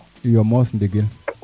iyo moos ndigil